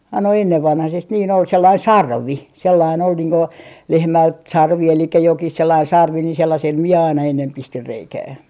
ai no ennenvanhaisesti niin oli sellainen sarvi sellainen oli niin kuin lehmältä sarvi eli jokin sellainen sarvi niin sellaisella minä aina ennen pistin reikää